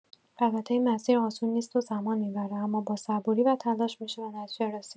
البته این مسیر آسون نیست و زمان می‌بره، اما با صبوری و تلاش می‌شه به نتیجه رسید.